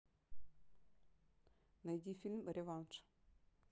найди фильм реванш